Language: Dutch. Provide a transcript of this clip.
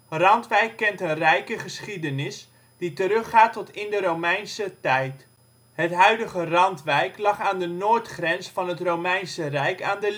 Randwijk kent een rijke geschiedenis, die teruggaat terug tot in de Romeinse tijd. Het huidige Randwijk lag aan de noordgrens van het Romeinse Rijk aan